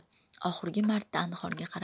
oxirgi marta anhorga